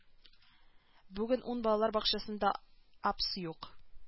Бүген ун балалар бакчасында апс юк